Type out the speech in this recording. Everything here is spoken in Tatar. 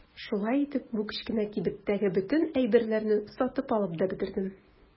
Шулай итеп бу кечкенә кибеттәге бөтен әйберне сатып алып та бетердем.